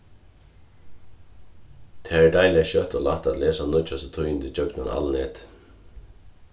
tað er deiliga skjótt og lætt at lesa nýggjastu tíðindini gjøgnum alnetið